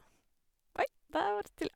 Oi, der vart det stille.